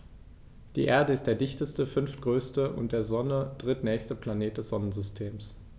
Die Erde ist der dichteste, fünftgrößte und der Sonne drittnächste Planet des Sonnensystems.